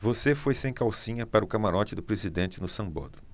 você foi sem calcinha para o camarote do presidente no sambódromo